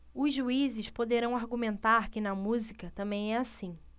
os juízes poderão argumentar que na música também é assim